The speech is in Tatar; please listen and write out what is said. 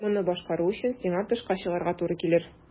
Моны башкару өчен сиңа тышка чыгарга туры килер.